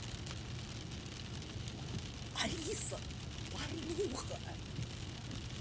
алиса порнуха